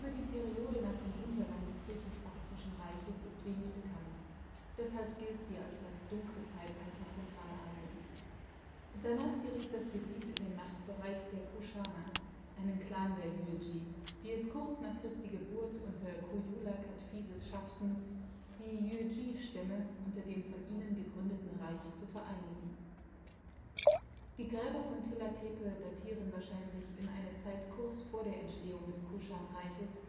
die Periode nach dem Untergang des Griechisch-Baktrischen Reiches ist wenig bekannt, deshalb gilt sie als dunkles Zeitalter Zentralasiens. Danach geriet das Gebiet in den Machtbereich der Kuschana, einen Clan der Yuezhi, die es kurz nach Christi Geburt unter Kujula Kadphises schafften, die Yuezhi-Stämme unter dem von ihnen gegründeten Reich zu vereinigen. Die Gräber von Tilla Tepe datieren wahrscheinlich in eine Zeit kurz vor der Entstehung des Kuschanreichs